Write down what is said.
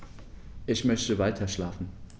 Ich möchte weiterschlafen.